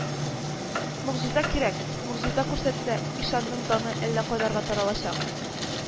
Могҗиза кирәк, могҗиза күрсәтсә, ишанның даны әллә кайларга таралачак